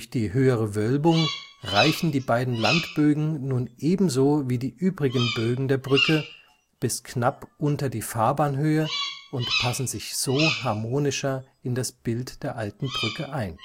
die höhere Wölbung reichen die beiden Landbögen nun ebenso wie die übrigen Bögen der Brücke bis knapp unter die Fahrbahnhöhe und passen sich so harmonischer in das Bild der Alten Brücke ein